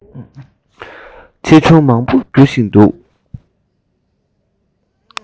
ཆེ ཆུང མང པོ རྒྱུ བཞིན འདུག